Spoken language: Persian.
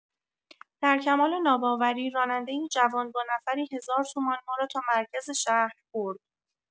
در کمال ناباوری راننده‌ای جوان با نفری هزار تومان ما را تا مرکز شهر برد.